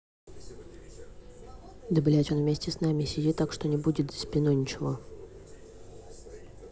да блять он вместе с нами сидит так что не будет за спиной ничего